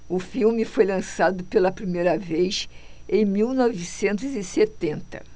o filme foi lançado pela primeira vez em mil novecentos e setenta